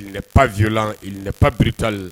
Il n'est pas violent, il n'est pas brutal